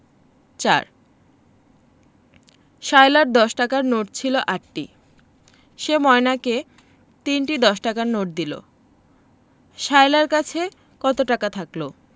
৪ সায়লার দশ টাকার নোট ছিল ৮টি সে ময়নাকে ৩টি দশ টাকার নোট দিল সায়লার কাছে কত টাকা থাকল